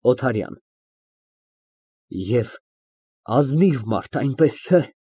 ՕԹԱՐՅԱՆ ֊ Եվ ազնիվ մարդ, այնպես չէ՞։